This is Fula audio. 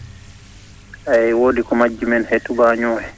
eeyi woodi ko majji men he tubaañoo hee